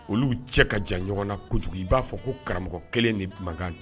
Olu cɛ ka jan ɲɔgɔn na kojugu i b'a fɔ ko karamɔgɔ kelen ni mankankan